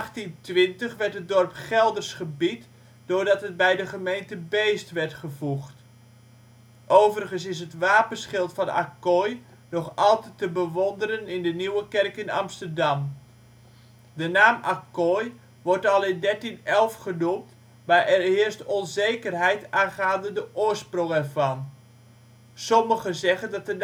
In 1820 werd het dorp Gelders gebied doordat het bij de gemeente Beesd werd gevoegd. Overigens is het wapenschild van Acquoy nog altijd te bewonderen in de Nieuwe Kerk in Amsterdam. De naam Acquoy wordt al in 1311 genoemd, maar er heerst onzekerheid aangaande de oorsprong ervan. Sommigen zeggen dat de